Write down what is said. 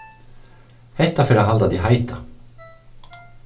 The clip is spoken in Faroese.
hetta fer at halda teg heita